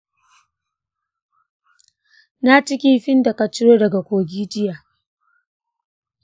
naci kifin da ka ciro daga kogi jiya.